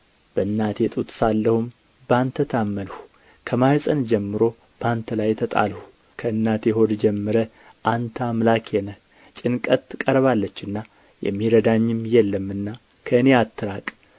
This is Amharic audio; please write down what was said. በእናቴ ጡት ሳለሁም በአንተ ታመንሁ ከማኅፀን ጀምሮ በአንተ ላይ ተጣልሁ ከእናቴ ሆድ ጀምረህ አንተ አምላኬ ነህ ጭንቀት ቀርባለችና የሚረዳኝም የለምና ከእኔ አትራቅ